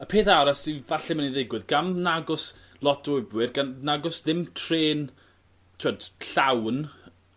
y peth arall sy falle myn i ddigwydd gan nagos lot o wibwyr gan nagos ddim trên t'wod llawn